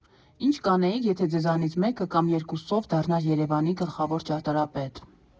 Ի՞նչ կանեիք, եթե ձեզանից մեկը, կամ երկուսով, դառնար Երևանի գլխավոր ճարտարապետ։